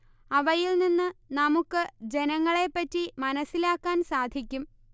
അവയിൽ നിന്ന് നമുക്ക് ജനങ്ങളെ പറ്റി മനസ്സിലാക്കാൻ സാധിക്കും